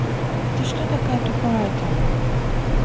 ты что такая тупая то